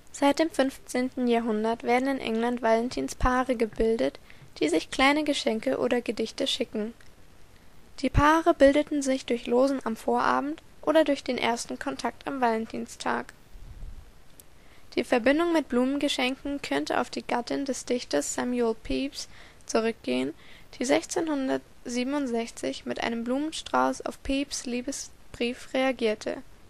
Seit dem 15. Jahrhundert werden in England Valentinspaare gebildet, die sich kleine Geschenke oder Gedichte schicken. Die Paare bildeten sich durch Losen am Vorabend, oder durch den ersten Kontakt am Valentinstag. Die Verbindung mit Blumengeschenken könnte auf die Gattin des Dichters Samuel Pepys zurückgehen, die 1667 mit einem Blumenstrauß auf Pepys ' Liebesbrief reagierte. Von